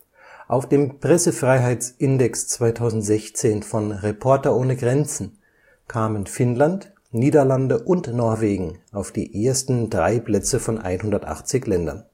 Auf dem Pressefreiheitsindex 2016 von Reporter ohne Grenzen kamen Finnland, Niederlande und Norwegen auf die ersten drei Plätze von 180 Ländern